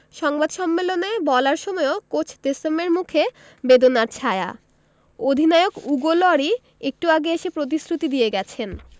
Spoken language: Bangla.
সংবাদ সম্মেলনে বলার সময়ও কোচ দেশমের মুখে বেদনার ছায়া অধিনায়ক উগো লরি একটু আগে এসে প্রতিশ্রুতি দিয়ে গেছেন